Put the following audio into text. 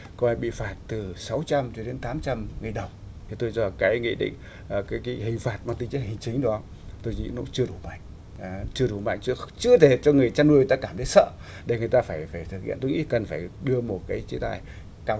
coi bị phạt từ sáu trăm cho đến tám trăm nghìn đồng thì tôi cho là cái nghị định ờ cái cái hình phạt mang tính chất hành chính đó tôi nghĩ nó cũng chưa đủ mạnh ế chưa đủ mạnh chưa chưa thể cho người chăn nuôi người ta cảm thấy sợ để người ta phải phải thực hiện tôi nghĩ cần phải đưa một cái chế tài cao